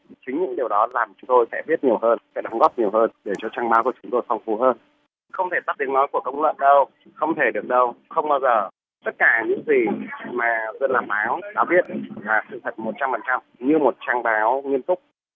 chính những điều đó làm chúng tôi sẽ biết nhiều hơn sẽ đóng góp nhiều hơn để cho trang mã của chúng tôi phong phú hơn không thể tắt tiếng nói của công luận đâu không thể được đâu không bao giờ tất cả những gì mà dân làm báo đã viết là sự thật một trăm phần trăm như một trang báo nghiêm túc